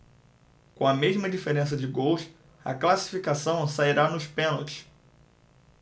com a mesma diferença de gols a classificação sairá nos pênaltis